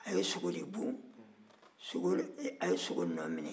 a ye sogo de bon a ye sogo nɔminɛ